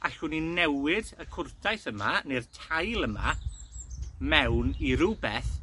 allwn ni newid y cwrtaeth yma, ne'r tail yma, mewn i rwbeth